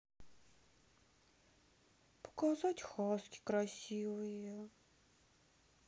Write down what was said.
показать хаски красивые